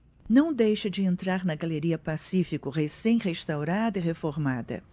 não deixe de entrar na galeria pacífico recém restaurada e reformada